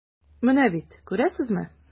Менә бит, күрәсезме.